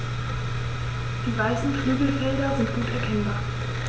Die weißen Flügelfelder sind gut erkennbar.